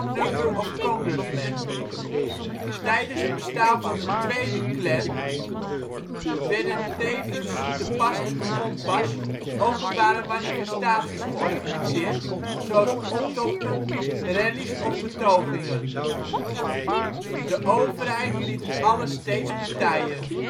number of Congressmen. " Tijdens het bestaan van de tweede Klan werden tevens te pas en te onpas openbare manifestaties georganiseerd zoals optochten, rallies of betogingen. De overheid liet alles steeds betijen